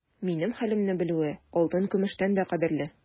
Минем хәлемне белүе алтын-көмештән дә кадерле.